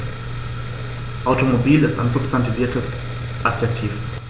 Automobil ist ein substantiviertes Adjektiv.